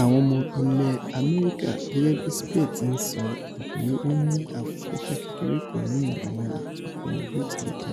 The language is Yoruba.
Àwọn ọmọ ilẹ̀ Amẹrika, gẹ́gẹ́bí Spieth ti ńsọ, ròpé wọ́n ní afẹ́fẹ̵́ kékeré kan nínú àwọn ìtukọ wọn botilẹjẹ